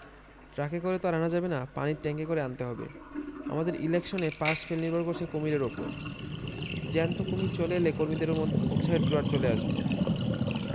ট্রাকে করে তো আর আনা যাবে না পানির ট্যাংকে করে আনতে হবে আমাদের ইলেকশনে পাশ ফেল নির্ভর করছে কুমীরের উপর জ্যান্ত কুমীর চলে এলে কর্মীদের মধ্যেও উৎসাহের জোয়ার চলে আসবে